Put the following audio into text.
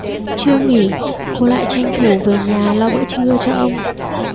trưa nghỉ cô lại tranh thủ về nhà lo bữa trưa cho ông